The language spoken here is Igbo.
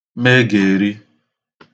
megeri